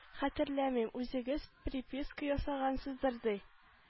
Хәтерләмим үзегез приписка ясагансыздыр ди